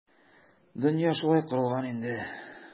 Дөнья шулай корылган инде.